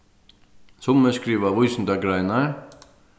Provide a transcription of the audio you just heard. summi skriva vísindagreinar